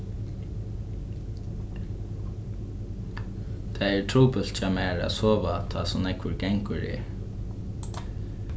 tað er trupult hjá mær at sova tá so nógvur gangur er